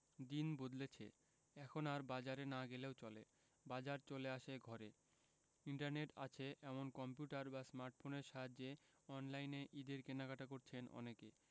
দিন বদলেছে এখন আর বাজারে না গেলেও চলে বাজার চলে আসে ঘরে ইন্টারনেট আছে এমন কম্পিউটার বা স্মার্টফোনের সাহায্যে অনলাইনে ঈদের কেনাকাটা করছেন অনেকে